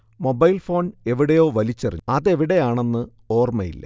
mobile phone എവിടെയോ വലിച്ചെറിഞ്ഞു അതെവിടെയാെണന്ന് ഓർമയില്ല